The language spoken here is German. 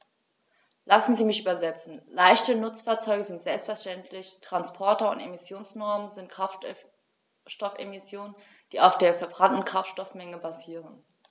Lassen Sie mich übersetzen: Leichte Nutzfahrzeuge sind selbstverständlich Transporter, und Emissionsnormen sind Kraftstoffemissionen, die auf der verbrannten Kraftstoffmenge basieren.